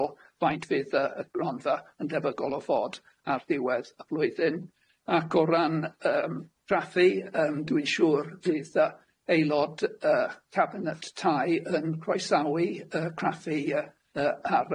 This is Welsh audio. o faint fydd yy y gronfa yn defygol o fod ar ddiwedd y flwyddyn ac o ran yym crafi yym dwi'n siŵr fydd y aelod yy cabinet tai yn croesawu yy craffu yy yy ar